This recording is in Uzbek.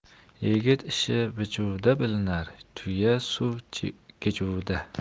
yigit ishi bichuvda bilinar tuya suv kechuvda